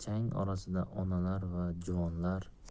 chang orasida onalar va juvonlar